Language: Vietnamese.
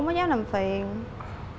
có dám làm phiền